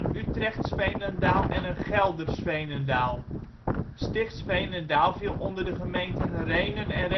Veenendaal en Gelders Veenendaal. Stichts Veenendaal viel onder de gemeenten Rhenen en